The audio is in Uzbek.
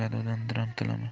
gadodan diram tilama